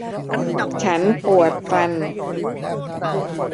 ฉันปวดฟัน